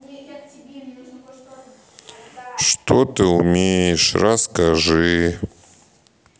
что ты умеешь расскажи